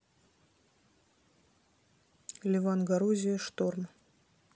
леван горозия шторм